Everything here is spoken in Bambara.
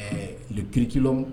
Ɛɛ kiirikil